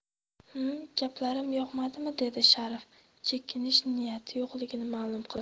hm gaplarim yoqmadimi dedi sharif chekinish niyati yo'qligini ma'lum qilib